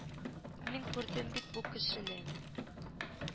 Мин күрдем бит бу кешене